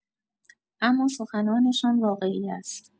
اما سخنانشان واقعی است.